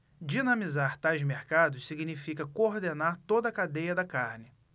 dinamizar tais mercados significa coordenar toda a cadeia da carne